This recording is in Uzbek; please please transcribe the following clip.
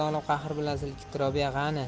olib qahr bilan silkitdi robiya qani